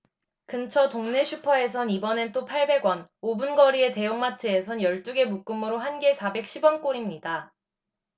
근처 동네 슈퍼에선 이번엔 또 팔백 원 오 분 거리의 대형마트에선 열 두 개 묶음으로 한 개 사백 십 원꼴입니다